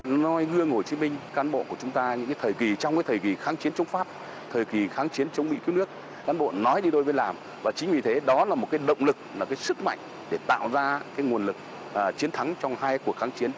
noi gương hồ chí minh cán bộ của chúng ta những cái thời kỳ trong cái thời kỳ kháng chiến chống pháp thời kỳ kháng chiến chống mỹ cứu nước cán bộ nói đi đôi với làm và chính vì thế đó là một cái động lực là cái sức mạnh để tạo ra các nguồn lực và chiến thắng trong hai cuộc kháng chiến